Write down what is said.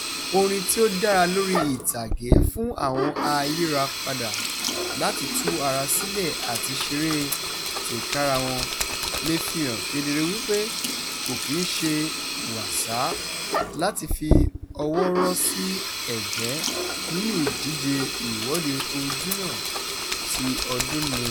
Orin tí ó dára lórí ìtàgé fún àwọn ayírapadà láti tú ara sílẹ̀ àti “ṣeré tìkára wọn”, lè fi hàn kedere wípé kò kì í ń ṣe wàsá láti fi ọwọ́ rọ́ sí ẹ̀gbẹ́ nínú ìdíje Ìwọ́de Ojúnà ti ọdún nìí.